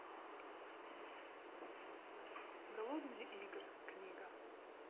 голодные игры книга